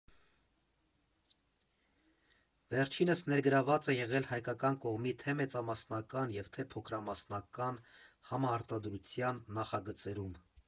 Վերջինս ներգրավված է եղել հայկական կողմի թե՛ մեծամասնական, թե՛ փոքրամասնական համարտադրության նախագծերում։